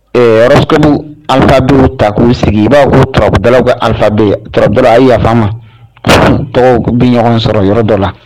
Ee horoscope ka alphabet ta k'u sigi i b'a fɔ turabudalaw ka alphabet ,turabudalaw a ye yafama n ma, ,tɔgɔw bɛ ɲɔgɔn sɔrɔ yɔrɔ dɔ la.